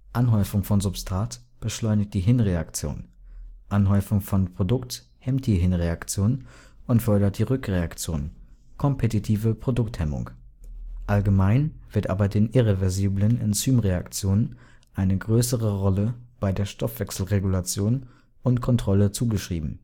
Anhäufung von Substrat beschleunigt die Hinreaktion, Anhäufung von Produkt hemmt die Hinreaktion und fördert die Rückreaktion (kompetitive Produkthemmung). Allgemein wird aber den irreversiblen Enzymreaktionen eine größere Rolle bei der Stoffwechselregulation und Kontrolle zugeschrieben